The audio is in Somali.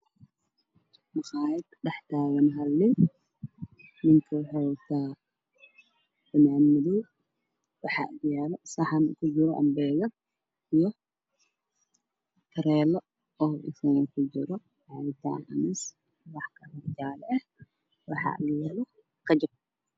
Maqaayad waxaa kujiro hal nin waxuu wataa fanaanad madow waxaa agyaalo saxan kujiro hambeegar iyo tareelo waxaa kujiro cabitaan cananaas ah waxaa agyaalo kajab.